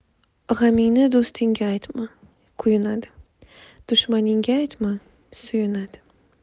g'amingni do'stingga aytma kuyunadi dushmaningga aytma suyunadi